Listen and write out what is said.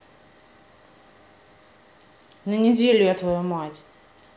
на неделю я твою мать